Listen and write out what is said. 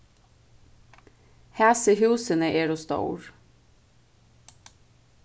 hasi húsini eru stór